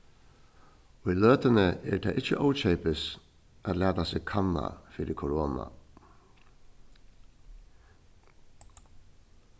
í løtuni er tað ikki ókeypis at lata seg kanna fyri korona